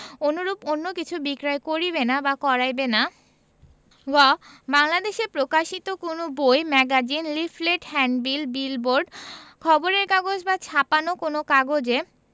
অনুরূপ অন্য কিছু বিক্রয় করিবে না বা করাইবে না গ বাংলাদেশে প্রকাশিত কোন বই ম্যাগাজিন লিফলেট হ্যান্ডবিল বিলবোর্ড খবরের কাগজ বা ছাপানো কোনো কাগজে